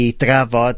i drafod...